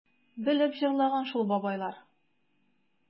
Белеп җырлаган шул бабайлар...